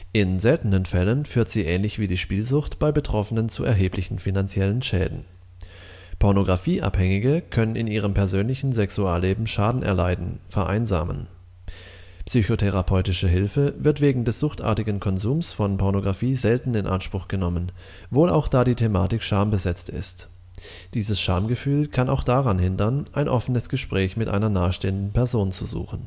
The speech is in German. In seltenen Fällen führt sie ähnlich wie die Spielsucht bei Betroffenen zu erheblichen finanziellen Schäden. Pornografieabhängige können in ihrem persönlichen Sexualleben Schaden erleiden, vereinsamen. Psychotherapeutische Hilfe wird wegen suchtartigen Konsums von Pornografie selten in Anspruch genommen, wohl auch da die Thematik schambesetzt ist. Dieses Schamgefühl kann auch daran hindern, ein offenes Gespräch mit einer nahestehenden Person zu suchen